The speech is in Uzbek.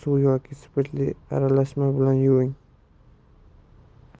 yoki spirtli aralashma bilan yuving